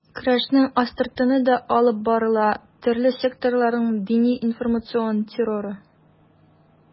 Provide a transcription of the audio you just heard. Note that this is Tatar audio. Көрәшнең астыртыны да алып барыла: төрле секталарның дини-информацион терроры.